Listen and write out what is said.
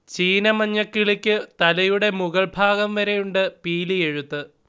ചീന മഞ്ഞക്കിളിക്ക് തലയുടെ മുകൾഭാഗം വരെയുണ്ട് പീലിയെഴുത്ത്